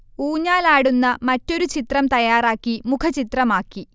ഊഞ്ഞാലാടുന്ന മറ്റൊരു ചിത്രം തയാറാക്കി മുഖച്ചിത്രമാക്കി